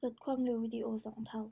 ลดความเร็ววีดีโอสองเท่า